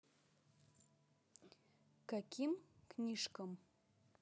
каким книжкам